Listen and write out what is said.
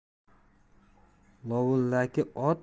lovullaki ot ko'tarar